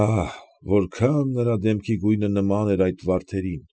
Ահ, որքան նրա դեմքի գույնը նման էր այդ վարդերին։